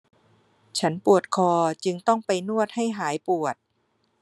ฉันปวดคอจึงต้องไปนวดให้หายปวด